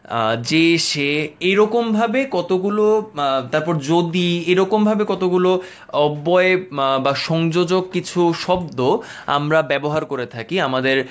যে সে রে এরকম ভাবে কতগুলো তারপর যদি এরকম ভাবে কতগুলো অব্যয় বা সংযোজক কিছু শব্দ আমরা ব্যবহার করে থাকি আমাদের